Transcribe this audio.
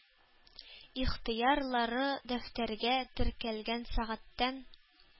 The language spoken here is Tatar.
Ихтыярлары дәфтәргә теркәлгән сәгатьтән